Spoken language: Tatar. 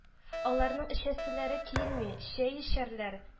— аларның эчәселәре килми, чәй эчәрләр